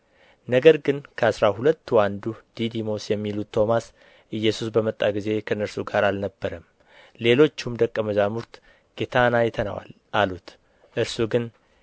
ነገር ግን ከአሥራ ሁለቱ አንዱ ዲዲሞስ የሚሉት ቶማስ ኢየሱስ በመጣ ጊዜ ከእነርሱ ጋር አልነበረም ሌሎቹም ደቀ መዛሙርቱ ጌታን አይተነዋል አሉት እርሱ ግን